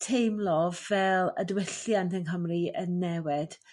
teimlo fel y diwylliant yng Nghymru yn newid